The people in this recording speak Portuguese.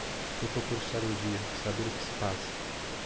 eu procuro estar em dia saber o que se passa